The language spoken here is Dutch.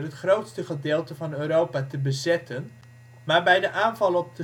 grootste gedeelte van Europa te bezetten maar bij de aanval op